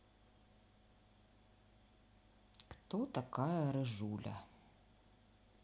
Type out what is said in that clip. кто такой рыжуля